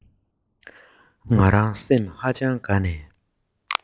ང རང སེམས ཧ ཅང དགའ ནས